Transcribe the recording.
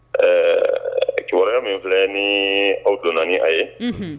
Ɛɛ kibaruyaya min filɛ ni aw donna naani ni a ye